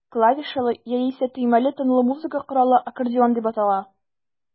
Клавишалы, яисә төймәле тынлы музыка коралы аккордеон дип атала.